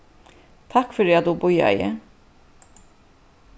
takk fyri at tú bíðaði